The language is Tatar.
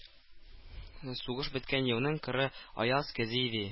Сугыш беткән елның коры, аяз көзе иде.